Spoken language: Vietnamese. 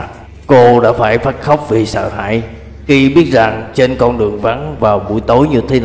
cô đã phải bật khóc vì sợ hãi khi biết rằng trên con đường vắng vào buổi tối như thế này